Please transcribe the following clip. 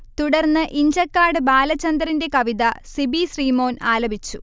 തുടർന്ന് ഇഞ്ചക്കാട് ബാലചന്ദറിന്റെ കവിത സിബി ശ്രീമോൻ ആലപിച്ചു